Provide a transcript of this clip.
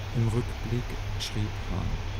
Im Rückblick schrieb Hahn